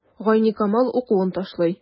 Гайникамал укуын ташлый.